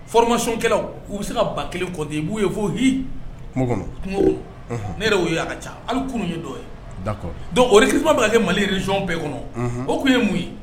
Fɔrɔmackɛlaw u bɛ se ka ba kelen kɔte b'u ye fo h kungo kungo ne yɛrɛ'' ka ca hali kun ye dɔ ye don okiba bɛ kɛ malirec bɛɛ kɔnɔ o tun ye mun ye